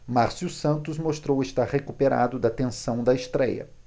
márcio santos mostrou estar recuperado da tensão da estréia